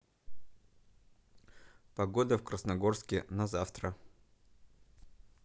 погода в красногорске на завтра